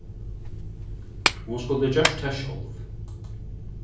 hon skuldi gjørt tað sjálv